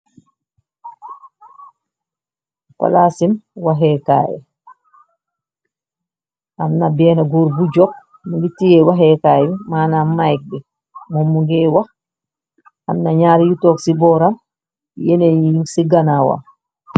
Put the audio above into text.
Palasi waxeekaay amna bena goor bu juuk mongi tiyé waxeekaay maanam mic bi momm mongi wax amna ñaari yu toog ci booram yené yi nyun ci ganawam.